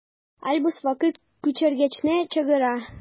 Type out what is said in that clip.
Альбус вакыт күчергечне чыгара.